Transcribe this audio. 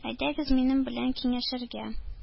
Әйдәгез минем белән киңәшергә,